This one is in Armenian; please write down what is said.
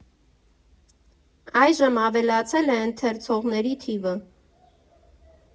Այժմ ավելացել է ընթերցողների թիվը։